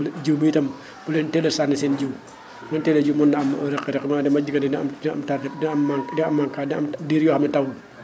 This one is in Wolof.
li jiwu bi itam bu leen teel a sànni seen jiwu bu ngeen teelee jiwu mën naa am rëq-rëq mën naa dem ba ci diggante dina am dina am tarde dina am manque dina am manquant dina am diir yoo xam ne tawul